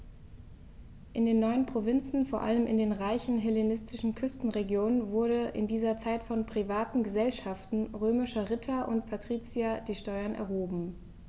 In den neuen Provinzen, vor allem in den reichen hellenistischen Küstenregionen, wurden in dieser Zeit von privaten „Gesellschaften“ römischer Ritter und Patrizier die Steuern erhoben.